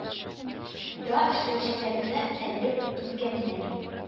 Да эшләүчеләрне әлеп иткәннәр